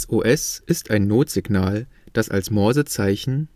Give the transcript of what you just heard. SOS ist ein Notsignal, das als Morsezeichen